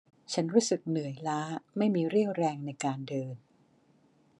ฉันรู้สึกเหนื่อยล้าไม่มีเรี่ยวแรงในการเดิน